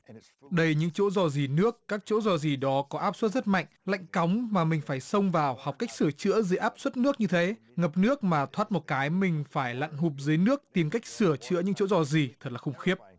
đầy những chỗ rò rỉ nước các chỗ rò rỉ đó có áp suất rất mạnh lạnh cóng mà mình phải xông vào học cách sửa chữa dưới áp suất nước như thế ngập nước mà thoắt một cái mình phải lặn hụp dưới nước tìm cách sửa chữa những chỗ rò rỉ thật là khủng khiếp